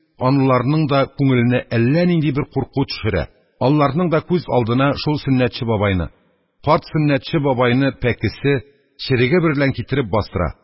Анларның да күңеленә әллә нинди бер курку төшерә, анларның да күз алдына шул сөннәтче бабайны, карт сөннәтче бабайны пәкесе, череге берлән китереп бастыра;